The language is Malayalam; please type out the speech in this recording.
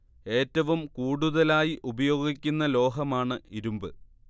ഏറ്റവും കൂടുതലായി ഉപയോഗിക്കുന്ന ലോഹമാണ് ഇരുമ്പ്